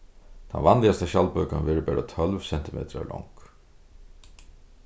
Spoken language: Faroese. tann vanligasta skjaldbøkan verður bara tólv sentimetrar long